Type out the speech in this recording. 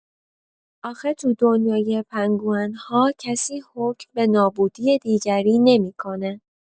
آخه تو دنیای پنگوئن‌ها کسی حکم به نابودی دیگری نمی‌کنه!